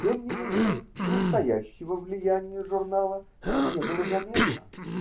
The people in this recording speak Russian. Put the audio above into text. Тем не менее настоящего влияния журнала не было заметно.